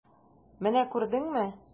Менә күрдеңме?